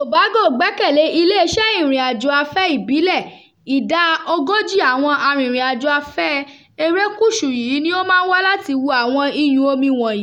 Tobago gbẹ́kẹ̀lé iléeṣẹ́ ìrìnàjò afẹ́ ìbílẹ̀; ìdá 40 àwọn arìnrìn-àjò afẹ́ erékùṣù yìí ni ó máa ń wá láti wo àwọn iyùn omi wọ̀nyí.